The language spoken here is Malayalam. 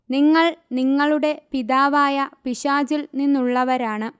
നിങ്ങൾ നിങ്ങളുടെ പിതാവായ പിശാചിൽ നിന്നുള്ളവരാണ്